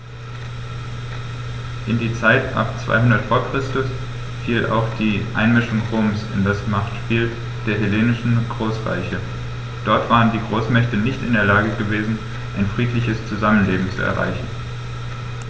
In die Zeit ab 200 v. Chr. fiel auch die Einmischung Roms in das Machtspiel der hellenistischen Großreiche: Dort waren die Großmächte nicht in der Lage gewesen, ein friedliches Zusammenleben zu erreichen.